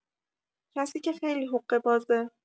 کسی که خیلی حقه بازه